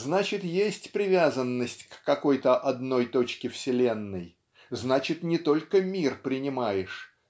" Значит, есть привязанность какой-то одной точке вселенной значит не только мир принимаешь